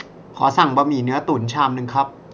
ขอสั่งบะหมี่เนื้อตุ๋นชามนึงครับ